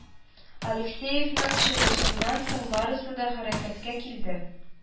Алексеевның чыгышыннан соң барысы да хәрәкәткә килде